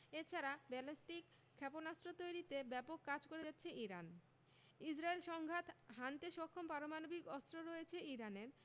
এ ছাড়া ব্যালিস্টিক ক্ষেপণাস্ত্র তৈরিতে ব্যাপক কাজ করে যাচ্ছে ইরান ইসরায়েল সংঘাত হানতে সক্ষম পারমাণবিক অস্ত্র রয়েছে ইরানের